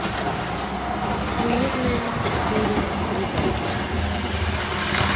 всемирная история предательств